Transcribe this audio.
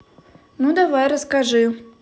ну давай расскажи